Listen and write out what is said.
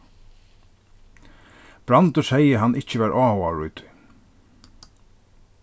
brandur segði hann ikki var áhugaður í tí